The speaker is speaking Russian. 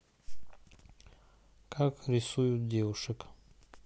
как рисуют девушек